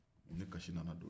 u ni kasi nana don